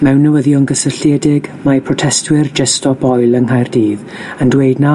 Mewn newyddion gysylltiedig, mae protestwyr Just Stop Oil yng Nghaerdydd yn dweud na